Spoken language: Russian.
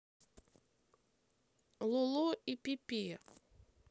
лоло и пепе